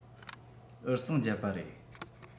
འུར ཟིང བརྒྱབ པ རེད